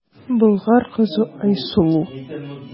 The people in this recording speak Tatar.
Болгар кызы Айсылу.